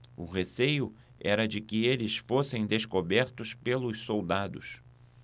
o receio era de que eles fossem descobertos pelos soldados